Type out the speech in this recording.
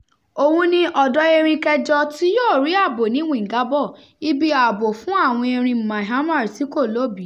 Òhun ni ọ̀dọ̀ erin kẹjọ tí yóò rí ààbò ní Wingabaw, ibi ààbò fún àwọn erin Myanmar tí kò lóbìí.